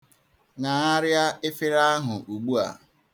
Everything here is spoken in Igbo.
Ṅagharịa efere ahụ ugbua!